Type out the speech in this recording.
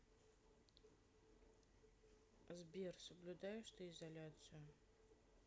сбер соблюдаешь ты изоляцию